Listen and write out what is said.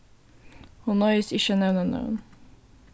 hon noyðist ikki at nevna nøvn